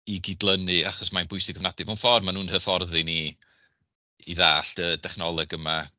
i gydlynu achos mae'n bwysig ofnadwy... mewn ffordd maen nhw'n hyfforddi ni i ddallt y dechnoleg yma.